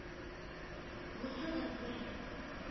Булса да булыр